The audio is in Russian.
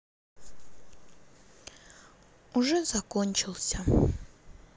уже закончился